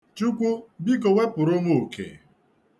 Chukwu biko wepụrụ m uke.